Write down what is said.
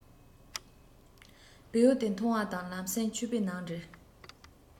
བེའུ དེ མཐོང བ དང ལམ སེང ཕྱུ པའི ནང སྒྲིལ